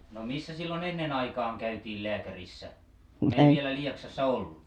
no missä silloin ennen aikaan käytiin lääkärissä kun ei vielä Lieksassa ollut